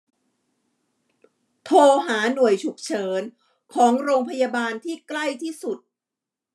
โทรหาหน่วยฉุกเฉินของโรงพยาบาลที่ใกล้ที่สุด